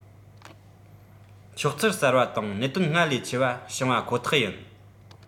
འཁྱོག ཚུལ གསར བ དང གནད དོན སྔར ལས ཆེ བ བྱུང བ ཁོ ཐག ཡིན